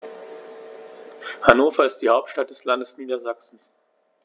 Hannover ist die Hauptstadt des Landes Niedersachsen.